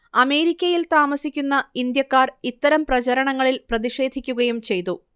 അമേരിക്കയിൽ താമസിക്കുന്ന ഇന്ത്യക്കാർ ഇത്തരം പ്രചരണങ്ങളിൽ പ്രതിഷേധിക്കുകയും ചെയ്തു